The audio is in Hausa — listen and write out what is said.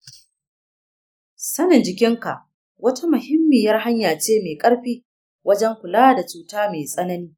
sanin jikinka wata muhimmiyar hanya ce mai ƙarfi wajen kula da cuta mai tsanani.